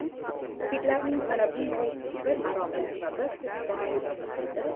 kitlarning mana bunday bir maromda va bir tekisda harakat qilishlari